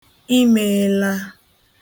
imeela